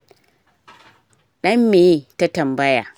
Dan meye? ta tambaya.